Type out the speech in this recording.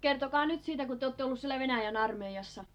Kertokaa nyt siitä kun te olette ollut siellä Venäjän armeijassa